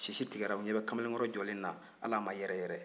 sisi tigɛra u ɲɛ bɛ kamalenkɔrɔ jɔlen na hali a ma yɛrɛyɛrɛ